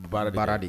Baara baara de